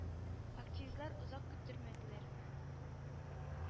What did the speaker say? Активистлар озак көттермәделәр,